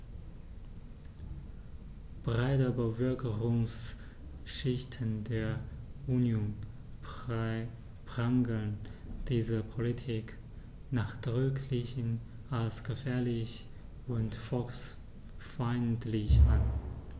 Breite Bevölkerungsschichten der Union prangern diese Politik nachdrücklich als gefährlich und volksfeindlich an.